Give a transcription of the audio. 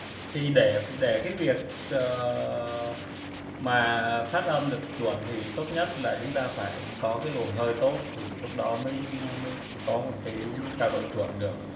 để việc phát âm chuẩn cao độ chúng ta phải có luồng hơi tốt khi đó cao độ mới chuẩn